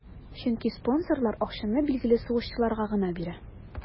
Чөнки спонсорлар акчаны билгеле сугышчыларга гына бирә.